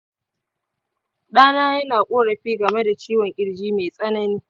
ɗana yana korafi game da ciwon kirji mai tsanani.